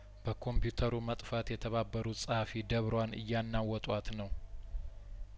በኮምፒዩተሩ መጥፋት የተባረሩት ጸሀፊ ደብሯን እያናወጧት ነው